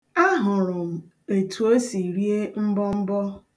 Ahụrụ m etu o si rie mbọmbọ.